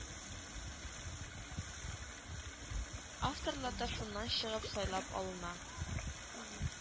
Авторлар да шуннан чыгып сайлап алына